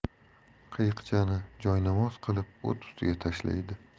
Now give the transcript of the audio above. qiyiqchani joynamoz qilib o't ustiga tashlaydi